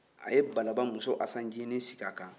a ye balaba muso asan ncinin sigi a kan